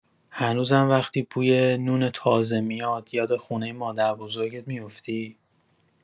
هنوزم وقتی بوی نون تازه میاد، یاد خونه مادربزرگت می‌افتی؟